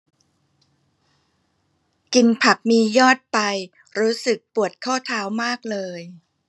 กินผักมียอดไปรู้สึกปวดข้อเท้ามากเลย